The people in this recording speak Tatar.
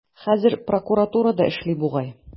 Хәзер прокуратурада эшли бугай.